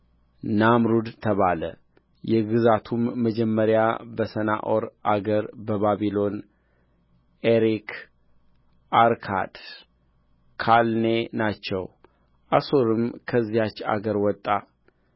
ናምሩድ ተባለ የግዛቱም መጀመሪያ በሰናዖር አገር ባቢሎን ኦሬክ አርካድ ካልኔ ናቸው አሦርም ከዚያች አገር ወጣ